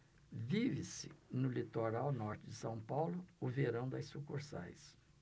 vive-se no litoral norte de são paulo o verão das sucursais